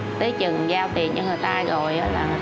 tới chừng giao tiền cho người ta rồi người